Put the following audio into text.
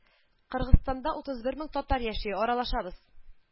Кыргызстанда утыз бер мең татар яши, аралашабыз